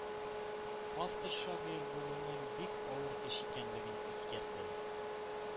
Автор шагыйрь булуның бик авыр эш икәнлеген искәртә.